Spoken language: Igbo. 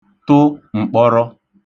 tụ m̀kpọrọ